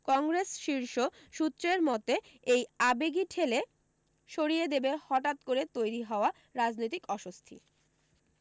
কংগ্রেস শীর্ষ সূত্রের মতে এই আবেগি ঠেলে সরিয়ে দেবে হঠাত করে তৈরী হওয়া রাজনৈতিক অস্বস্তি